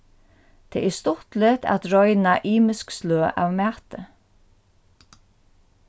tað er stuttligt at royna ymisk sløg av mati